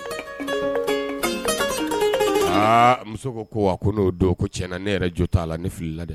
Muso ko ko n ko tiɲɛna ne yɛrɛ jo t'a la ne fili la dɛ